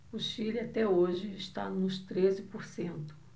o chile até hoje está nos treze por cento